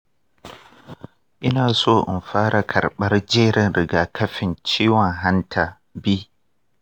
ina so in fara karɓar jerin rigakafin ciwon hanta b.